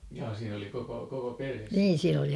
jaa siinä oli koko koko perhe sitten